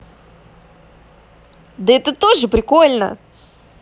да это тоже прикольно